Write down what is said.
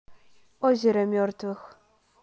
озеро мертвых